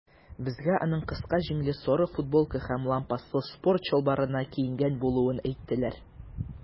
Безгә аның кыска җиңле сары футболка һәм лампаслы спорт чалбарына киенгән булуын әйттеләр.